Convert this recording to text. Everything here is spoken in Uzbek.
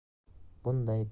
bunday paytda yo'ldagi chang